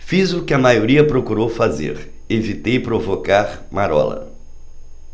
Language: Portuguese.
fiz o que a maioria procurou fazer evitei provocar marola